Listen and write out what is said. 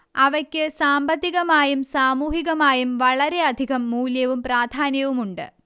അവയ്ക്ക് സാമ്പത്തികമായും സാമൂഹികമായും വളരെയധികം മൂല്യവും പ്രാധാന്യവുമുണ്ട്